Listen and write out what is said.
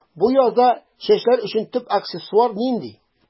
Бу язда чәчләр өчен төп аксессуар нинди?